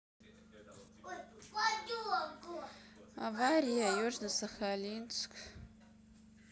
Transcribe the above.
авария южно сахалинск